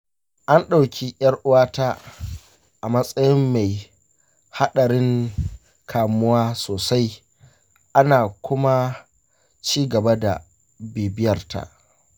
an ɗauki ‘yar uwata a matsayin mai haɗarin kamuwa sosai, ana kuma ci gaba da bibiyarta